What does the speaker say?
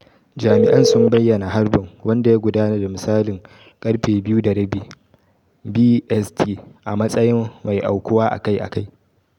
Jami’an sun bayyana harbin, wanda ya gudana da misalin 02:30 BST, a matsayin “mai aukuwa akai-akai.”